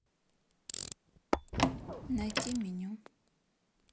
найти меню